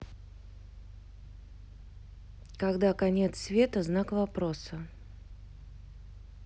когда конец света знак вопроса